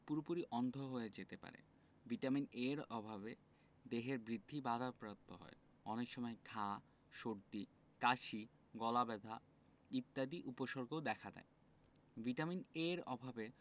পুরোপুরি অন্ধ হয়ে যেতে পারে ভিটামিন A এর অভাবে দেহের বৃদ্ধি বাধাপ্রাপ্ত হয় অনেক সময় ঘা সর্দি কাশি গলাব্যথা ইত্যাদি উপসর্গও দেখা দেয় ভিটামিন A এর অভাবে